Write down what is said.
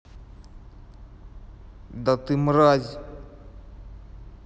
да ты мразь